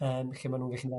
Yrm lle ma' nhw'n gallu